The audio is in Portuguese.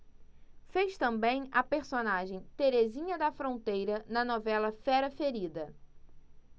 fez também a personagem terezinha da fronteira na novela fera ferida